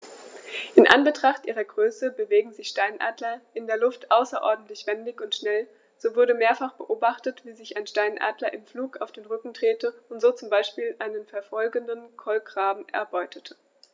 In Anbetracht ihrer Größe bewegen sich Steinadler in der Luft außerordentlich wendig und schnell, so wurde mehrfach beobachtet, wie sich ein Steinadler im Flug auf den Rücken drehte und so zum Beispiel einen verfolgenden Kolkraben erbeutete.